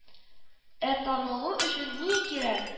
Ә танылу өчен ни кирәк